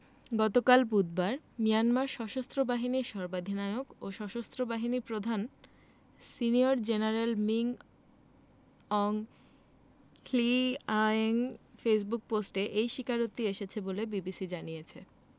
গতকাল বুধবার মিয়ানমার সশস্ত্র বাহিনীর সর্বাধিনায়ক ও সশস্ত্র বাহিনীর প্রধান senior general Min Aung Hlaing Facebook পোস্টে এই স্বীকারোক্তি এসেছে বলে বিবিসি জানিয়েছে